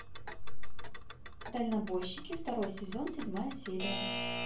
дальнобойщики второй сезон седьмая серия